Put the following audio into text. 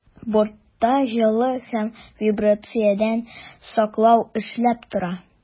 Бортта җылы һәм вибрациядән саклау эшләп тора.